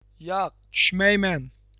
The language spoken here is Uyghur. ياق چۈشمەيمەن